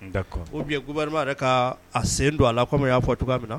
Bibama ka a sen don a la kɔmi y'a fɔ tu min na